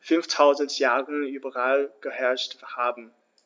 5000 Jahren überall geherrscht haben.